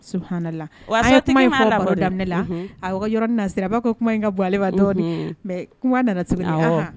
Hala wa kuma in fa la daminɛla a yɔrɔ na sira baa ko kuma in ka bɔ ale dɔɔnin mɛ kuma nana